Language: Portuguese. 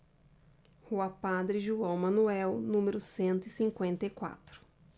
rua padre joão manuel número cento e cinquenta e quatro